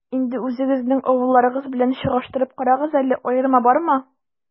Инде үзегезнең авылларыгыз белән чагыштырып карагыз әле, аерма бармы?